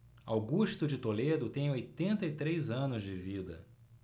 augusto de toledo tem oitenta e três anos de vida